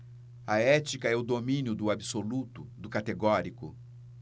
a ética é o domínio do absoluto do categórico